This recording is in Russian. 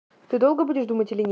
ты долго будешь думать или нет